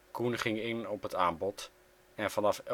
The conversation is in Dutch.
Coen ging in op het aanbod en vanaf